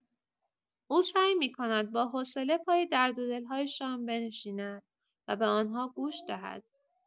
او سعی می‌کند با حوصله پای درد دل‌هایشان بنشیند و به آنها گوش دهد.